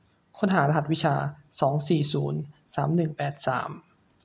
ค้นหารหัสวิชาสองสี่ศูนย์สามหนึ่งแปดสาม